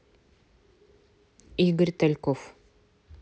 игорь тальков